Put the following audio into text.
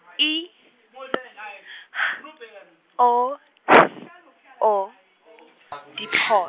I P H O S O, dIpho-.